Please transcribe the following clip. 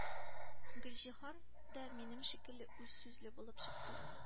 Гөлҗиһан да минем шикелле үзсүзле булып чыкты.